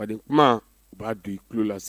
Ba kuma u b'a don i tulola